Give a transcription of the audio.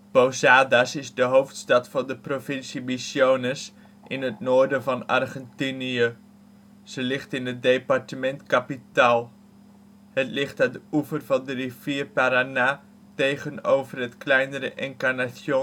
Posadas is de hoofdstad van de provincie Misiones in het noorden van Argentinië. Ze ligt in het departement Capital. Het ligt aan de oever van de rivier Paraná, tegenover het kleinere Encarnación